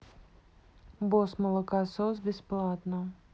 босс молокосос бесплатно